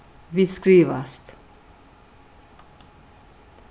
vit skrivast